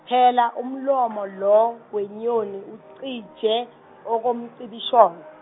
phela umlomo lo wenyoni ucije okomcibisholo.